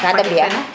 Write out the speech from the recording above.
ka de mbiya